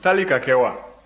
taali ka kɛ wa